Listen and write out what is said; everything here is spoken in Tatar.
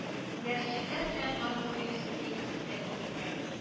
Дәреслекләр белән Мордовия Республикасы тәэмин итә